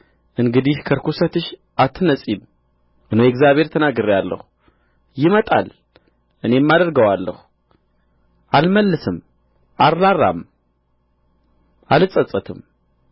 እንግዲህ ከርኵሰትሽ አትነጺም እኔ እግዚአብሔር ተናግሬአለሁ ይመጣል እኔም አደርገዋለሁ አልመለስም አልራራም አልጸጸትም